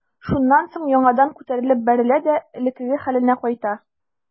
Шуннан соң яңадан күтәрелеп бәрелә дә элеккеге хәленә кайта.